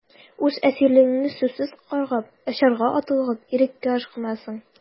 Үз әсирлегеңне сүзсез каргап, очарга атлыгып, иреккә ашкынасың...